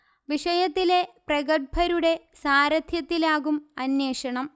വിഷയത്തിലെ പ്രഗല്ഭരുടെ സാരഥ്യത്തിലാകും അന്വേഷണം